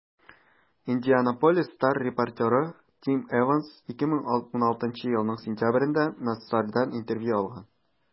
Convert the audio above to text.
«индианаполис стар» репортеры тим эванс 2016 елның сентябрендә нассардан интервью алган.